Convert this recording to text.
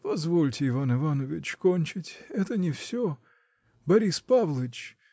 — Позвольте, Иван Иванович, кончить: это не всё. Борис Павлыч.